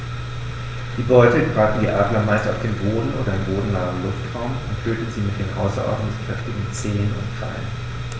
Die Beute greifen die Adler meist auf dem Boden oder im bodennahen Luftraum und töten sie mit den außerordentlich kräftigen Zehen und Krallen.